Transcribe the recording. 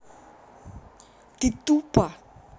ты тупо